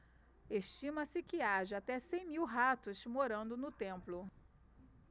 estima-se que haja até cem mil ratos morando no templo